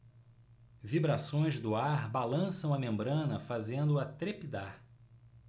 vibrações do ar balançam a membrana fazendo-a trepidar